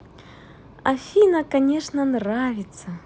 афина конечно нравится